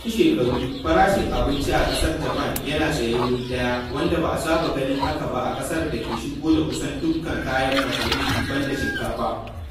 Tsawon shekaru, farashin abinci a Japan yana ta tsaye wuri ɗaya, wanda ba a saba ganin haka ba a ƙasar da ke shigo da kusan dukkanin kayan masarufi banda shinkafa.